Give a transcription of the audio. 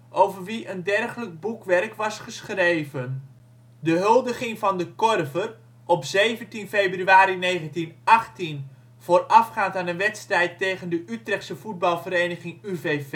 over wie een dergelijk boekwerk was geschreven. De huldiging van De Korver op 17 februari 1918 voorafgaand aan een wedstrijd tegen de Utrechtse voetbalvereniging UVV